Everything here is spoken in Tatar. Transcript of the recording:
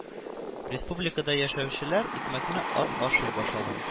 Республикада яшәүчеләр икмәкне аз ашый башлаган